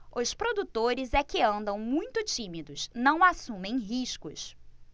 os produtores é que andam muito tímidos não assumem riscos